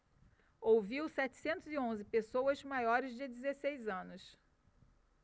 ouviu setecentos e onze pessoas maiores de dezesseis anos